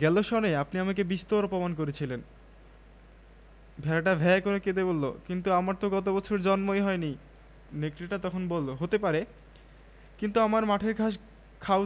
রাবেয়া আমাকে তুমি বলে আমার প্রতি তার ব্যবহার ছোট বোন সুলভ সে আমার কথা মন দিয়ে শুনলো কিছুক্ষণ ধরেই বালিশের গায়ে চাদর জড়িয়ে সে একটা পুতুল তৈরি করছিলো আমার কথায়